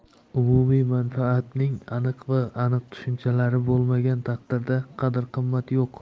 umumiy manfaatning aniq va aniq tushunchalari bo'lmagan taqdirda qadr qimmat yo'q